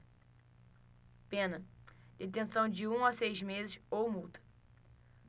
pena detenção de um a seis meses ou multa